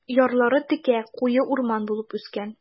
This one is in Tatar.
Ярлары текә, куе урман булып үскән.